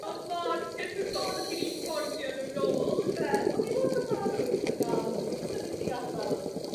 Ma' mor typical bo' ti 'di ffonio n'w nôl. Ynde? On' fi mor gyfarwydd â ga'l n'w fi jys ddim yn deall fel